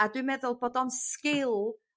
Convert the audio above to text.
A dwi'n meddwl bod o'n sgil